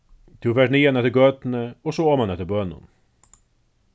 tú fert niðan eftir gøtuni og so oman eftir bønum